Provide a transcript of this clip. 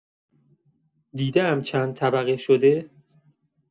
دیده‌ام چند طبقه شده؟